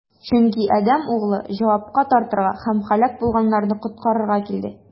Чөнки Адәм Углы җавапка тартырга һәм һәлак булганнарны коткарырга килде.